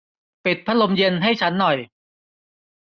ปิดพัดลมเย็นให้ฉันหน่อย